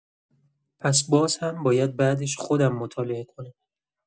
پس باز هم باید بعدش خودم مطالعه کنم.